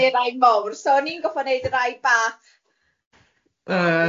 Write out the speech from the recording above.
...neu rai mowr so o'n i'n gorffod wneud y rai bach... Yy